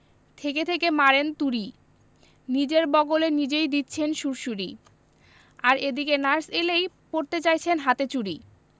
থেকে থেকে মারেন তুড়ি নিজের বগলে নিজেই দিচ্ছেন সুড়সুড়ি আর এদিকে নার্স এলেই পরতে চাইছেন হাতে চুড়ি